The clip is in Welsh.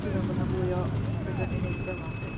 Dwi'n meddwl bod yna fwy o... fedrwn ni wneud fel yna 'lly.